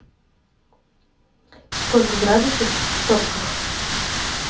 сколько градусов в топках